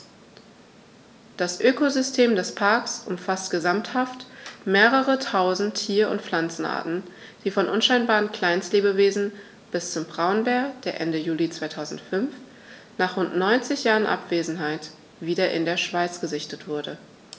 Das Ökosystem des Parks umfasst gesamthaft mehrere tausend Tier- und Pflanzenarten, von unscheinbaren Kleinstlebewesen bis zum Braunbär, der Ende Juli 2005, nach rund 90 Jahren Abwesenheit, wieder in der Schweiz gesichtet wurde.